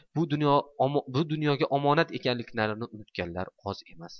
bu dunyoga omonat ekanlarini unutganlar oz emas